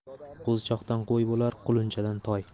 qo'zichoqdan qo'y bo'lar qulunchadan toy